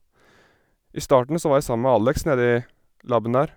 I starten så var jeg sammen med Alex nedi laben der.